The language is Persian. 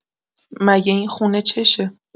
مگه این خونه چشه؟!